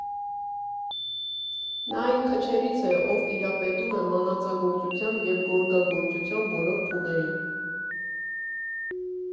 Նա այն քչերից է, ով տիրապետում է մանածագործության և գորգագործության բոլոր փուլերին։